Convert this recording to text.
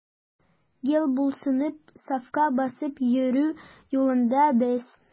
Гел буйсынып, сафка басып йөрү юлында без.